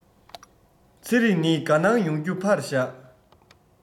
ཚེ རིང ནི དགའ སྣང ཡོང རྒྱུ ཕར བཞག